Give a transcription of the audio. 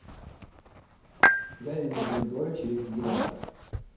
вяленые помидоры через дегидратор